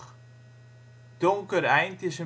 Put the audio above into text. buurtschap